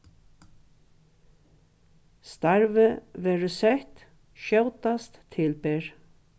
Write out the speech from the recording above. starvið verður sett skjótast til ber